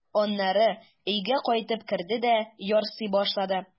Аннары өйгә кайтып керде дә ярсый башлады.